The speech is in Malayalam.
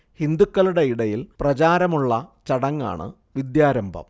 ഹിന്ദുക്കളുടെ ഇടയിൽ പ്രചാരമുള്ള ചടങ്ങാണ് വിദ്യാരംഭം